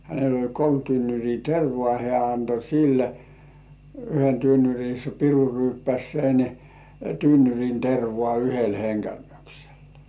hänellä oli kolme tynnyriä tervaa hän antoi sille yhden tynnyrin se piru ryyppäsi sen tynnyrin tervaa yhdellä henkäyksellä